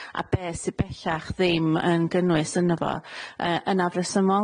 a be' sy bellach ddim yn gynnwys yn y fo yy yn afresymol.